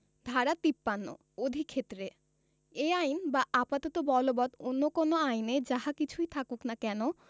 ধারা ৫৩ অধিক্ষেত্রে এই আইন বা আপাততঃ বলবৎ অন্য কোন আইনে যাহা কিছুই থাকুক না কেন